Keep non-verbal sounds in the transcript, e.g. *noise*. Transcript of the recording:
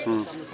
*hesitation* *hesitation*